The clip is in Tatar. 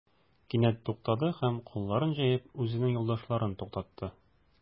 Кинәт туктады һәм, кулларын җәеп, үзенең юлдашларын туктатты.